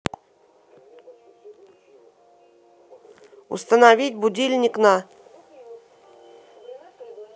установить будильник на